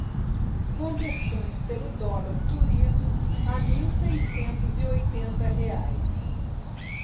conversões pelo dólar turismo a mil seiscentos e oitenta reais